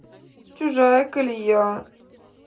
чужая колея